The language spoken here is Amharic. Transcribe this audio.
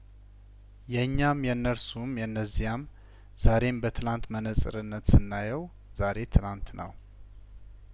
የእኛም የእነርሱም የእነዚያም ዛሬን በትናንት መነጽርነት ስና የው ዛሬ ትናንት ነው